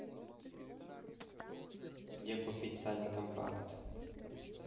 где купить сани компакт